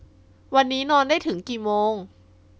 วันนี้นอนได้ถึงกี่โมง